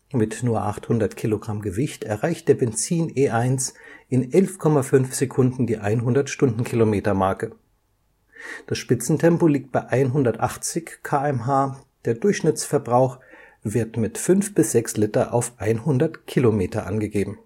Mit nur rund 800 kg Gewicht erreicht der Benzin-E1 in 11,5 Sekunden die 100 km/h-Marke. Das Spitzentempo liegt bei 180 km/h, der Durchschnittsverbrauch wird mit fünf bis sechs Liter auf 100 km angegeben